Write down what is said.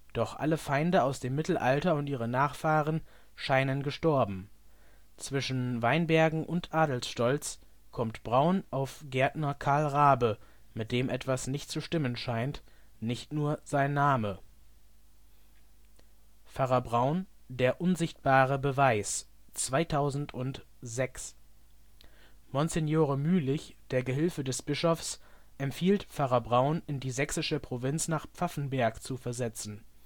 Doch alle Feinde aus dem Mittelalter und ihre Nachfahren scheinen gestorben. Zwischen Weinbergen und Adelsstolz kommt Braun auf Gärtner Karl Rabe, mit dem etwas nicht zu stimmen scheint, nicht nur sein Name. Pfarrer Braun - Der unsichtbare Beweis (2006) Monsignore Mühlich, der Gehilfe des Bischofs, empfiehlt Pfarrer Braun in die sächsische Provinz nach Pfaffenberg zu versetzen